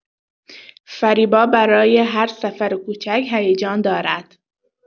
فریبا برای هر سفر کوچک هیجان دارد.